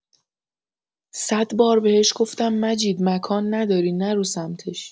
صدبار بهش گفتم مجید مکان نداری نرو سمتش.